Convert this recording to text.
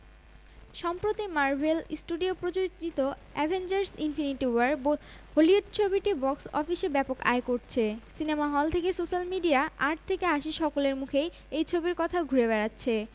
কালের কণ্ঠ এর অনলাইনে ডেস্ক হতে সংগৃহীত প্রকাশের সময় ১৪মে ২০১৮ বিকেল ৫টা ৩৯ মিনিট